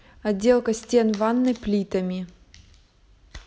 отделка стен ванной плитами